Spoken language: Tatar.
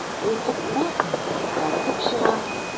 Йолкып торасың, калкып чыга...